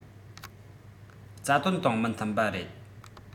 རྩ དོན དང མི མཐུན པ རེད